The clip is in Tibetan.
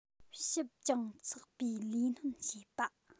ཞིབ ཅིང ཚགས པའི ལས སྣོན བྱེད པ